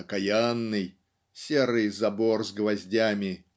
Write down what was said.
окаянный" серый забор с гвоздями